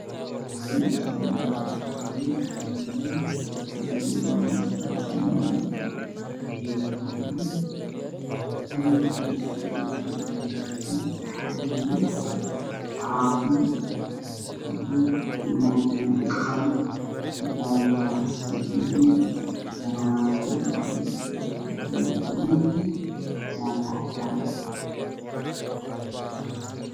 Meeshaan waxaa yaalo kursi haduu saaran shaati cadaan ah iyo surwaal jaalo ah